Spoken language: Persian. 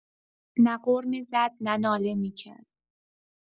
نه غر می‌زد، نه ناله می‌کرد.